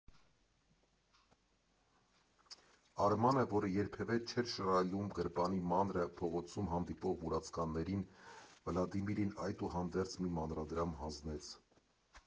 Արմանը, որը երբևէ չէր շռայլում գրպանի մանրը փողոցում հանդիպող մուրացկաններին, Վլադիմիրին, այդուհանդերձ, մի մանրադրամ հանձնեց։